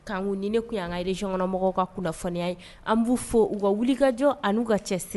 Kankou ni ne tun y'an ka région kɔnɔ mɔgɔw ka kunnafoniya ye , an b'u fɔ u ka wulikajɔ an'u ka cɛsiri